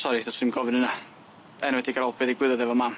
Sori dy's wni'm gofyn huna yn enwedig ar ôl be' ddigwyddodd efo mam.